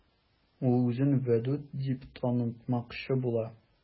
Ул үзен Вәдүт дип танытмакчы була.